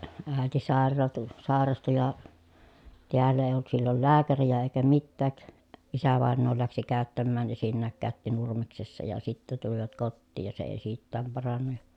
äiti sairastui sairastui ja täällä ei ollut silloin lääkäriä eikä mitään isävainaja lähti käyttämään esinnäkin käytti Nurmeksessa ja sitten tulivat kotiin ja se ei siitäkään parantunut ja